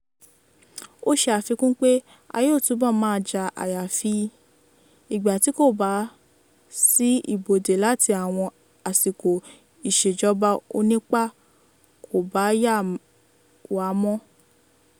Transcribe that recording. Ó ṣe àfikún pé: "A yóò túbọ̀ máa jà àyàfi ìgbà tí kò bá sí ibodè tàbí àwọn àsìkò ìṣèjọba onípá kò bá yà wá mọ́."